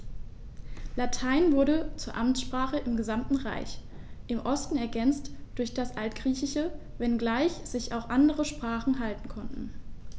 Latein wurde zur Amtssprache im gesamten Reich (im Osten ergänzt durch das Altgriechische), wenngleich sich auch andere Sprachen halten konnten.